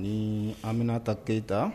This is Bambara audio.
Ni Aminata Keyita